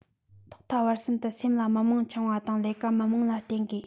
ཐོག མཐའ བར གསུམ དུ སེམས ལ མི དམངས འཆང བ དང ལས ཀ མི དམངས ལ བརྟེན ཡོད